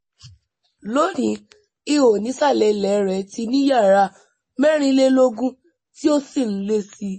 Lónìí, ihò nísàlẹ̀ ilẹ̀ẹ rẹ̀ ti ní yàrá 24 tí ó sì ń lé sí i.